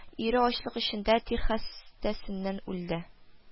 Ире ачлык эчендә тир хәстәсеннән үлде